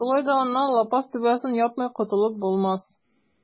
Шулай да аннан лапас түбәсен япмый котылып булмас.